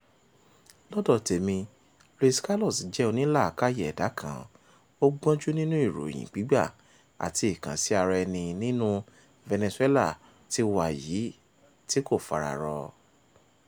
Lọ́dọ̀ tèmi, Luis Carlos jẹ́ onílàákàyè ẹ̀dá kan, ó gbọ́njú nínú ìròyìn gbígbà àti ìkànsì-ara-ẹni nínú Venezuela ti wa yìí tí kò fara rọ.